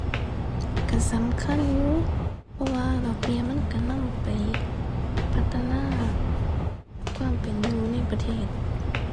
ก็สำคัญอยู่ เพราะว่าดอกเบี้ยมันก็นำไปพัฒนาความเป็นอยู่ในประเทศ